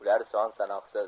ular son sanoqsiz